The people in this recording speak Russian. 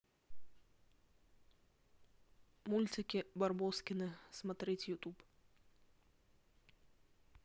мультики барбоскины смотреть ютуб